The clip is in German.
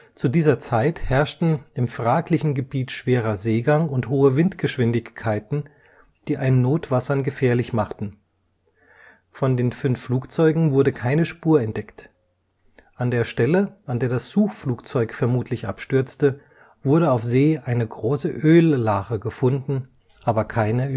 Zu dieser Zeit herrschten im fraglichen Gebiet schwerer Seegang und hohe Windgeschwindigkeiten, die ein Notwassern gefährlich machten; von den fünf Flugzeugen wurde keine Spur entdeckt. An der Stelle, an der das Suchflugzeug vermutlich abstürzte, wurde auf See eine große Öllache gefunden, aber keine